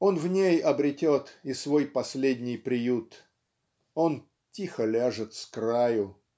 он в ней обретет и свой последний приют он "тихо ляжет с краю".